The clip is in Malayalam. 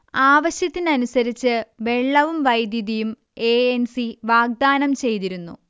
ആവശ്യത്തിനനുസരിച്ച് വെള്ളവും വൈദ്യുതിയും എ എൻ സി വാഗ്ദാനം ചെയ്തിരുന്നു